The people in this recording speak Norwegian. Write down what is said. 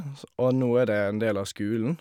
ogs Og nå er det en del av skolen.